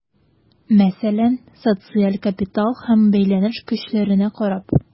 Мәсәлән, социаль капитал һәм бәйләнеш көчләренә карап.